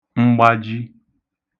mgbaji